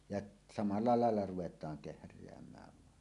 ja samalla lailla ruvetaan kehräämään vain